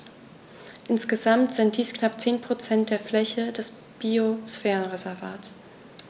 Insgesamt sind dies knapp 10 % der Fläche des Biosphärenreservates.